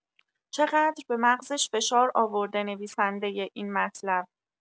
چه‌قدر به مغزش فشار آورده نویسنده این مطلب!